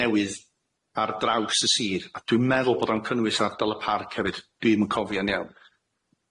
newydd ar draws y Sir a dwi'n meddwl bod o'n cynnwys yn ardal y parc hefyd dwi'm yn cofio'n iawn.